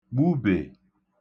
gbubè